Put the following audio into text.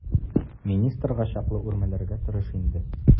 Министрга чаклы үрмәләргә тырыш инде.